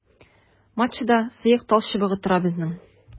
Матчада сыек талчыбыгы тора безнең.